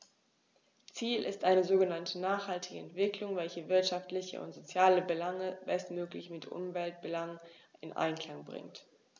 Ziel ist eine sogenannte nachhaltige Entwicklung, welche wirtschaftliche und soziale Belange bestmöglich mit Umweltbelangen in Einklang bringt.